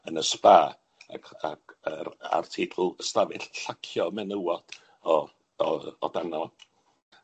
yn y sba, ac ac yr article ystafell llacio menywod o o o dano fo.